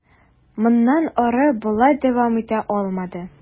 Моннан ары болай дәвам итә алмады.